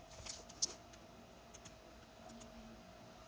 Եթե շատ ես ցանկանում, կարող ես նստել քաղաքի ամենագեղեցիկ պատշգամբում.